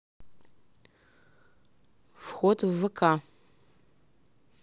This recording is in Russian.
вход в вк